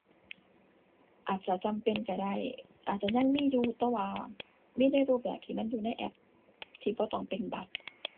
อาจจะจำเป็นก็ได้ อาจจะยังมีอยู่ แต่ว่ามีในรูปแบบที่มันอยู่ในแอปที่บ่ต้องเป็นบัตร